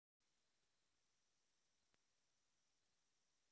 включи фитнес